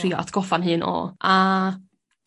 Trio atgoffa'n hyn o... A